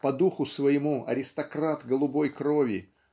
по духу своему аристократ голубой крови